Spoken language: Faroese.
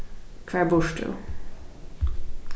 hvar býrt tú